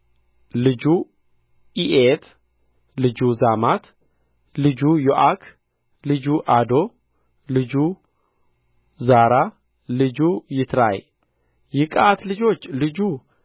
ልጁ ኢኤት ልጁ ዛማት ልጁ ዮአክ ልጁ አዶ ልጁ ዛራ ልጁ ያትራይ የቀዓት ልጆች ልጁ